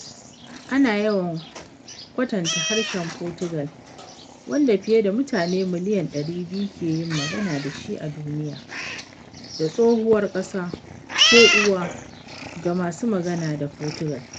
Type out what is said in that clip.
Ana yawan kwatanta Harshen Fotigal, wanda fiye da mutane miliyan 200 ke yin magana da shi a duniya, da “tsohuwar ƙasa” ko “uwa” ga masu magana da Fotigal.